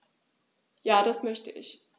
Ja, das möchte ich.